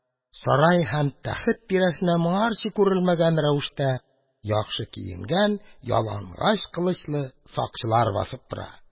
Сарай һәм тәхет тирәсендә моңарчы күрелмәгән рәвештә яхшы киенгән ялангач кылычлы сакчылар басып тора.